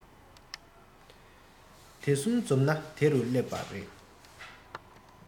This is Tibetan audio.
དེ གསུམ འཛོམས ན དེ རུ སླེབས པ རེད